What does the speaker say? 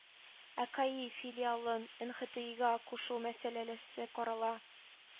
Ә каи филиалын нхтига кушу мәсьәләсе карала,